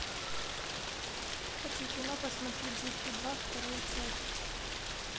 хочу кино посмотреть жуки два вторую часть